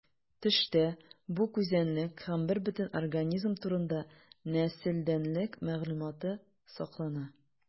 Төштә бу күзәнәк һәм бербөтен организм турында нәселдәнлек мәгълүматы саклана.